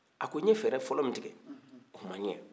a ko n ye fɛɛrɛ fɔlɔ min tigɛ o ma ɲɛ